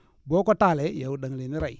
boo ko taalee yow da nga leen di rey